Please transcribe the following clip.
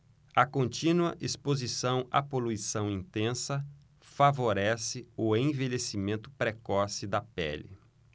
a contínua exposição à poluição intensa favorece o envelhecimento precoce da pele